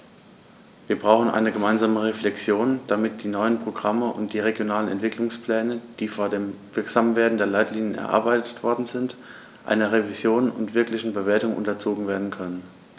Wir brauchen eine gemeinsame Reflexion, damit die neuen Programme und die regionalen Entwicklungspläne, die vor dem Wirksamwerden der Leitlinien erarbeitet worden sind, einer Revision und wirklichen Bewertung unterzogen werden können.